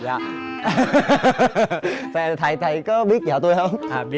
dạ về thầy thầy có biết vợ tôi hông